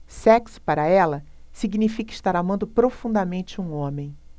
sexo para ela significa estar amando profundamente um homem